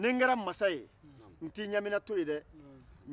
n tɛ ɲamina to yen dɛ